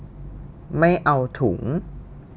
ไม่เอาถุง